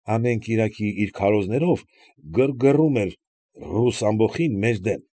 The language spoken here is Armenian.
Ամեն կիրակի իր քարոզներով գրգռում էր ռուս ամբոխին մեր դեմ։